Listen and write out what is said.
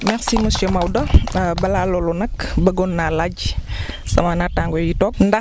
merci monsieur Maodo balaa loolu nag bëggoon naa laaj sama naataangoo yii toog ndax